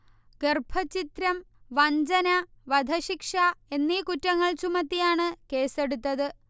ഗർഭഛിദ്രം, വഞ്ചന, വധശിക്ഷ എന്നീ കുറ്റങ്ങൾ ചുമത്തിയാണ് കേസെടുത്തത്